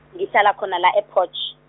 ngihlala khona la e-Potch.